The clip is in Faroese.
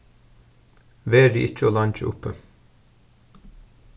verið ikki ov leingi uppi